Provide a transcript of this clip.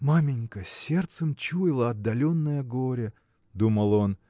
Маменька сердцем чуяла отдаленное горе – думал он